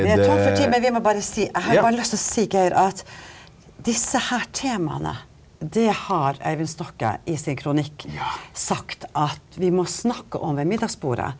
vi er tom for tid, men vi må bare si jeg har bare lyst til å si Geir at disse her temaene det har Øyvind Stokke i sin kronikk sagt at vi må snakke om ved middagsbordet.